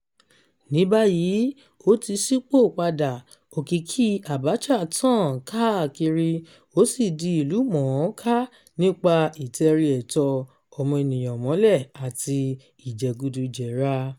Ní báyìí ó ti ṣípò-padà, òkìkí Abacha tàn káàkiri ó sì di ìlú-mọ̀-ọ́-ká nípa ìtẹrí ẹ̀tọ́ ọmọ-ènìyàn mọ́lẹ̀ àti ìjẹgùdùjẹrà.